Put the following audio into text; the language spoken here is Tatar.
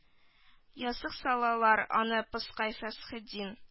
Ястык салалар аны пыскый фәсхетдин